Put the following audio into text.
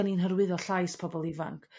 dyn ni'n hyrwyddo llais pobol ifanc.